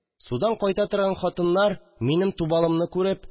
Судан кайта торган хатыннар, минем тубалымны күреп